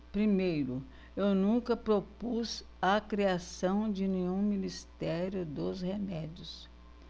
primeiro eu nunca propus a criação de nenhum ministério dos remédios